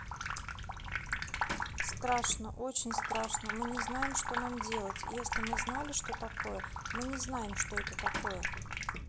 страшно очень страшно мы не знаем что нам делать если мы знали что такое мы не знаем что это такое